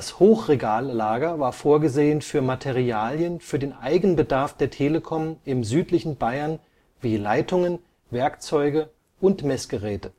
Hochregallager war vorgesehen für Materialien für den Eigenbedarf der Telekom im südlichen Bayern wie Leitungen, Werkzeuge und Messgeräte